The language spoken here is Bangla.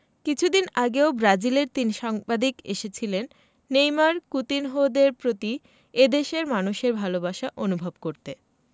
কিছুদিন আগেও ব্রাজিলের তিনজন সাংবাদিক এসেছিলেন নেইমার কুতিনহোদের প্রতি এ দেশের মানুষের ভালোবাসা অনুভব করতে